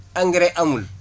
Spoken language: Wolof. engrais amul